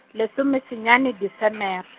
lesomesenyane Desemere.